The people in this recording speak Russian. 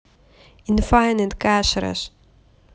infinite carcrash